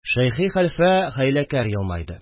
Шәйхи хәлфә хәйләкәр елмайды